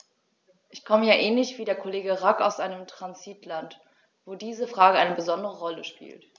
Ich komme ja ähnlich wie der Kollege Rack aus einem Transitland, wo diese Frage eine besondere Rolle spielt.